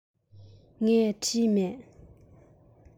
ངས བྲིས མེད